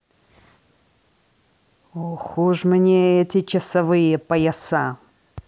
ох уж мне эти часовые пояса